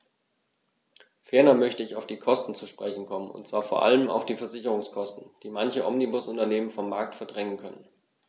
Ferner möchte ich auf die Kosten zu sprechen kommen, und zwar vor allem auf die Versicherungskosten, die manche Omnibusunternehmen vom Markt verdrängen könnten.